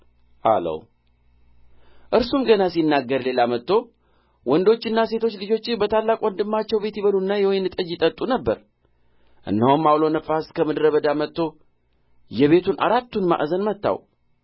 አለው እርሱም ገና ሲናገር ሌላ መጥቶ ወንዶችና ሴቶች ልጆችህ በታላቅ ወንድማቸው ቤት ይበሉና የወይን ጠጅ ይጠጡ ነበር እነሆም ዐውሎ ነፋስ ከምድረ በዳ መጥቶ የቤቱን አራቱን ማዕዘን መታው